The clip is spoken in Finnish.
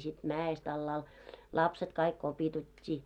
sitten mäestä alhaalle lapset kaikki kipitettiin